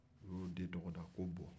u y'o den tɔgɔda ko buwɔ